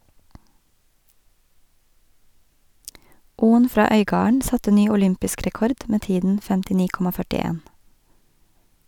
Oen fra Øygarden satte ny olympisk rekord med tiden 59,41.